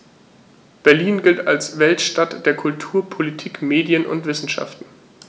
Berlin gilt als Weltstadt der Kultur, Politik, Medien und Wissenschaften.